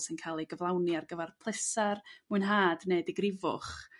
sy'n cael ei gyflawni ar gyfar plesar mwynhad neu digrifwch.